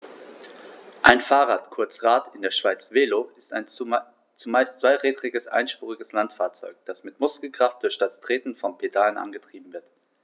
Ein Fahrrad, kurz Rad, in der Schweiz Velo, ist ein zumeist zweirädriges einspuriges Landfahrzeug, das mit Muskelkraft durch das Treten von Pedalen angetrieben wird.